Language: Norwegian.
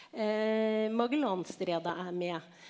Magellanstredet er med.